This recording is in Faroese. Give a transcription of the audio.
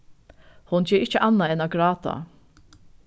hon ger ikki annað enn at gráta